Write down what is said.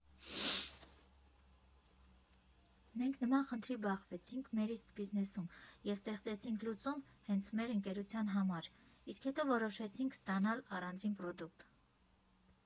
Մենք նման խնդրի բախվեցինք մեր իսկ բիզնեսում և ստեղծեցինք լուծում հենց մեր ընկերության համար, իսկ հետո որոշեցինք ստանալ առանձին պրոդուկտ։